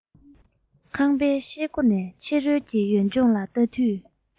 ཁང པའི ཤེལ སྒོ ནས ཕྱི རོལ གྱི ཡུལ ལྗོངས ལ བལྟ དུས